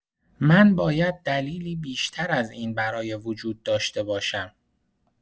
من باید دلیلی بیشتر از این برای وجود داشته باشم.